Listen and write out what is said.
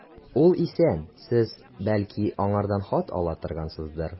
Ул исән, сез, бәлки, аңардан хат ала торгансыздыр.